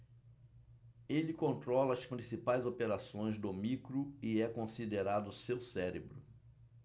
ele controla as principais operações do micro e é considerado seu cérebro